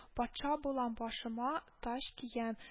Патша булам, башыма таҗ киям